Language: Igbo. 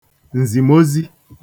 ǹzìmozi